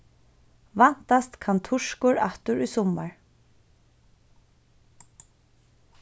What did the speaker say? væntast kann turkur aftur í summar